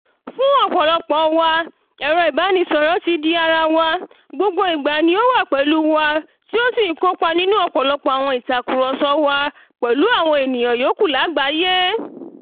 Fún ọ̀pọ̀lọpọ̀ wa, ẹ̀rọ ìbánisọ̀rọ̀ ti di ara wa - gbogbo ni ó wà pẹ̀lú wa, tí ó sì ń kópa nínú ọ̀pọ̀lọpọ̀ àwọn ìtàkurọ̀sọ̀ wa pẹ̀lú àwọn ènìyàn yòókù lágbàáyé.